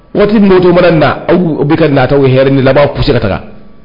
Waati min na nata a b'a pousser ka taga